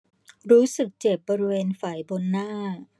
รู้สึกเจ็บบริเวณไฝบนหน้า